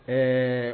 Un